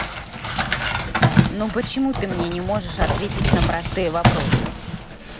ну почему ты мне не можешь ответить на простые вопросы